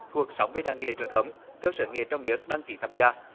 thuộc sáu mươi làng nghề truyền thống cơ sở nghề trong nước đăng ký tham gia